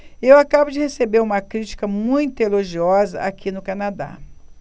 eu acabo de receber uma crítica muito elogiosa aqui no canadá